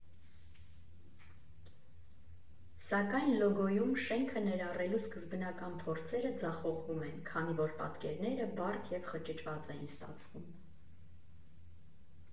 Սակայն լոգոյում շենքը ներառելու սկզբնական փորձերը ձախողվում են, քանի որ պատկերները բարդ և խճճված էին ստացվում.